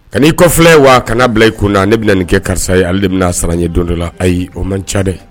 Ka'i kɔfi wa kana bila i kun na ne bɛna na nin kɛ karisa ye ale de bɛna na sara n ye don dɔ la ayi o man ca dɛ